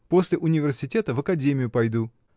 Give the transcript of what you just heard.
После университета в академию пойду.